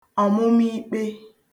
ọ̀mụmiikpe